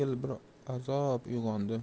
yengil bir azob uyg'ondi